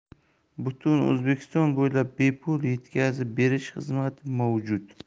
butun o'zbekiston bo'ylab bepul yetkazib berish xizmati mavjud